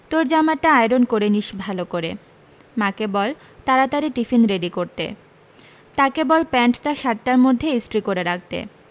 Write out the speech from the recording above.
তোর জামাটা আয়রন করে নিস ভালো করে মাকে বল তাড়াতাড়ি টিফিন রেডি করতে তাকে বল প্যান্টটা সাতটার মধ্যে ইস্ত্রি করে রাখতে